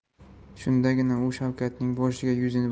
shundagina u shavkatning boshiga yuzini